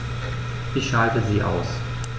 Ich schalte sie aus.